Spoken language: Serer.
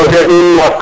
roga ci'a nuun o wod